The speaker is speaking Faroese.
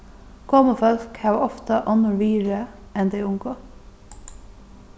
gomul fólk hava ofta onnur virði enn tey ungu